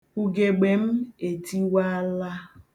Ugegbe m, etiwaala.